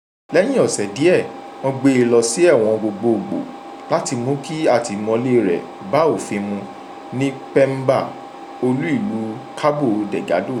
Lẹ́yìn ọ̀sẹ̀ díẹ̀, wọ́n gbé e lọ sí ẹ̀wọ̀n gbogboògbò láti mú kí àtìmọ́lé rẹ̀ bá òfin mu ní Pemba, olú ìlú Cabo Delgado.